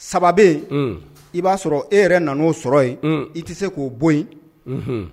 Saba bɛ yen, un, i b'a sɔrɔ e yɛrɛ nan'o sɔrɔ yen, un, i tɛ se k'o bɔ yen, unhun